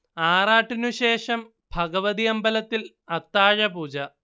ആറാട്ടിനുശേഷം ഭഗവതി അമ്പലത്തിൽ അത്താഴപൂജ